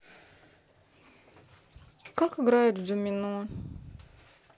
как играют в домино